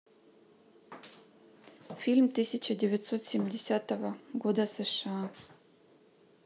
фильм тысяча девятьсот семидесятого года сша